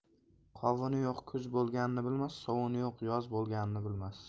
qovuni yo'q kuz bo'lganini bilmas sovuni yo'q yoz bo'lganini bilmas